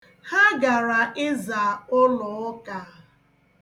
Ha gara ịza ụlụụka.